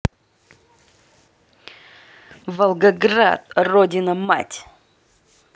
волгоград родина мать